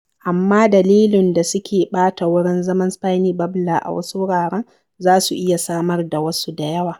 Amma dalilan da suke sa ɓata wurin zaman Spiny Babbler a wasu wuraren za su iya samar da wasu da yawa.